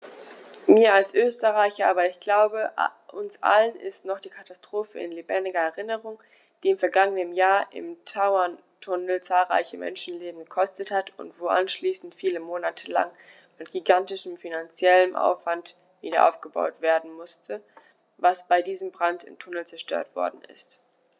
Mir als Österreicher, aber ich glaube, uns allen ist noch die Katastrophe in lebendiger Erinnerung, die im vergangenen Jahr im Tauerntunnel zahlreiche Menschenleben gekostet hat und wo anschließend viele Monate lang mit gigantischem finanziellem Aufwand wiederaufgebaut werden musste, was bei diesem Brand im Tunnel zerstört worden ist.